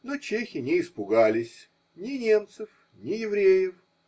Но чехи не испугались ни немцев, ни евреев.